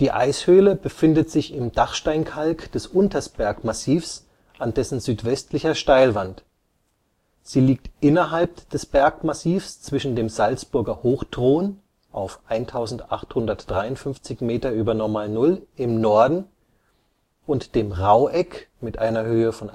Eishöhle befindet sich im Dachsteinkalk des Untersbergmassivs an dessen südwestlicher Steilwand. Sie liegt innerhalb des Bergmassivs zwischen dem Salzburger Hochthron (1853 Meter über Normalnull) im Norden und dem Rauheck (1892